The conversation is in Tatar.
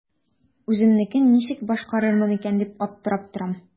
Үземнекен ничек башкарырмын икән дип аптырап торам.